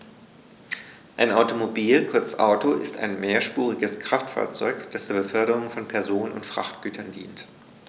Ein Automobil, kurz Auto, ist ein mehrspuriges Kraftfahrzeug, das zur Beförderung von Personen und Frachtgütern dient.